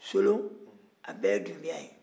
solon a bɛɛ ye dunbuya ye